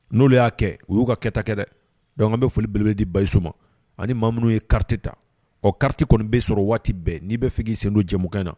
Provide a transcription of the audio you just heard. N'o de y'a kɛ u y'u ka kɛtakɛ dɛ dɔnku bɛ foli beledi bayisoma ani maa minnu ye karatati ta ɔ kariti kɔni bɛ sɔrɔ waati bɛɛ n'i bɛ fini sen don jɛkan na